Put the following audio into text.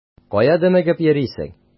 Кая дөмегеп йөрисең?